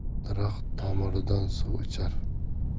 daraxt tomiridan suv ichar